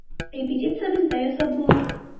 Репетиция бездә ясап була.